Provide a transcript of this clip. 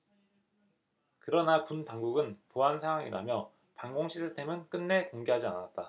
그러나 군 당국은 보안사항이라며 방공 시스템은 끝내 공개하지 않았다